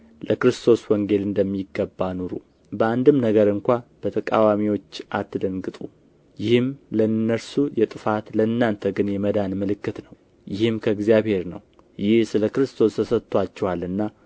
ለክርስቶስ ወንጌል እንደሚገባ ኑሩ በአንድም ነገር እንኳ በተቃዋሚዎች አትደንግጡ ይህም ለእነርሱ የጥፋት ለእናንተ ግን የመዳን ምልክት ነው ይህም ከእግዚአብሔር ነው ይህ ስለ ክርስቶስ ተሰጥቶአችኋልና